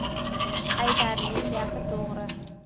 haydarning gapi to'g'ri